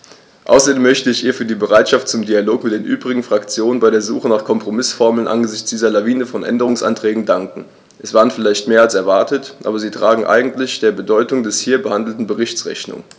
Außerdem möchte ich ihr für ihre Bereitschaft zum Dialog mit den übrigen Fraktionen bei der Suche nach Kompromißformeln angesichts dieser Lawine von Änderungsanträgen danken; es waren vielleicht mehr als erwartet, aber sie tragen eigentlich der Bedeutung des hier behandelten Berichts Rechnung.